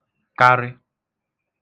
-karị